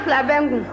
kɛmɛ fila bɛ n kun